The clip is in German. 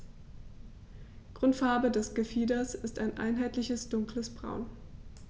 Grundfarbe des Gefieders ist ein einheitliches dunkles Braun.